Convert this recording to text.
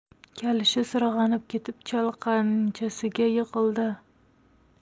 kalishi sirg'anib ketib chalqanchasiga yiqildi